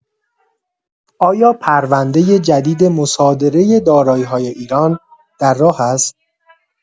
آیا پرونده جدید مصادره دارایی‌های ایران در راه است؟